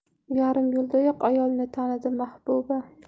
yarim yo'ldayoq ayolni tanidi mahbuba